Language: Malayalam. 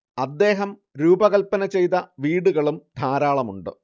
അദ്ദേഹം രൂപകല്പന ചെയ്ത വീടുകളും ധാരാളമുണ്ട്